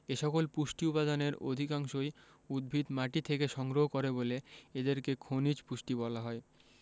এসকল পুষ্টি উপাদানের অধিকাংশই উদ্ভিদ মাটি থেকে সংগ্রহ করে বলে এদেরকে খনিজ পুষ্টি বলা হয়